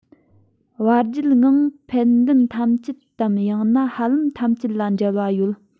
བར བརྒྱུད ངང ཕད ལྡན ཐམས ཅད དམ ཡང ན ཧ ལམ ཐམས ཅད ལ འབྲེལ བ ཡོད